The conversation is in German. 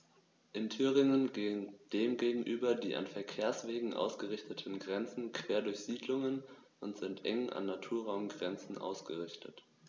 In Thüringen gehen dem gegenüber die an Verkehrswegen ausgerichteten Grenzen quer durch Siedlungen und sind eng an Naturraumgrenzen ausgerichtet.